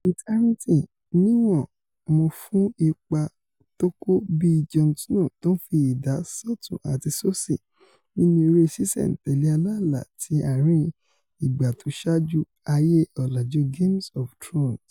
Kit Harrington níwọ́n mọ̀ fún ipa tókó bíi Jon Snow tó ńfi idà sọ́ọ̀tún àti sósì nínú eré ṣíṣẹ̀-n-tẹ̀lé aláàlá ti ààrin ìgbà tósaáju ayé ọ̀lájú Games of Thrones.